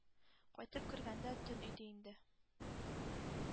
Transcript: Кайтып кергәндә төн иде инде.